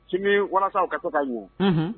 Simi walasasaw ka taa taa yen o